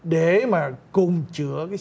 để mà cung chứa